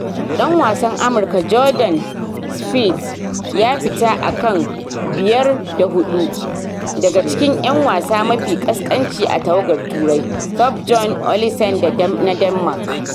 Dan wasan Amurka Jordan Spieth ya fita akan 5&4 daga cikin 'yan wasa mafi ƙasƙanci a tawagar Turai, Thorbjorn Olesen na Denmark.